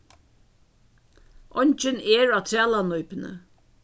eingin er á trælanípuni